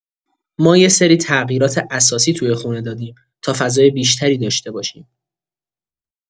ما یه سری تغییرات اساسی توی خونه دادیم تا فضای بیشتری داشته باشیم.